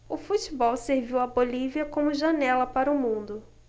o futebol serviu à bolívia como janela para o mundo